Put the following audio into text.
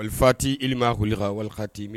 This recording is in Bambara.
Alifati ili m ma koli ka wali'i min